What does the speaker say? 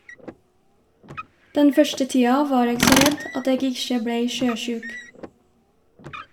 Den første tida var eg så redd at eg ikkje blei sjøsjuk.